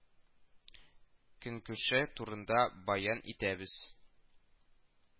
Көнкүше турында бәян итәбез